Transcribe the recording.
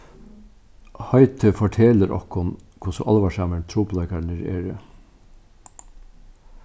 heitið fortelur okkum hvussu álvarsamir trupulleikarnir eru